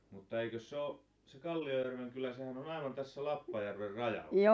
mutta eikös se ole se Kalliojärven kylä sehän on aivan tässä Lappajärven rajalla